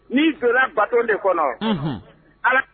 Ni don la bateau ne kɔnɔ, unhun ala